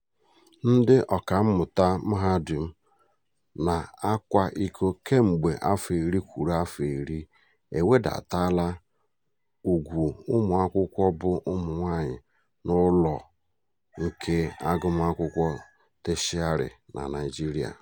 Ndị ọkammuta mahadum na-akwa iko kemgbe afọ iri kwụrụ afọ iri ewedataala ùgwù ụmụakwụkwọ bụ ụmụ nwaanyị n'ụlọọụ nke agụmakwụkwọ teshịarị na Naịjirịa.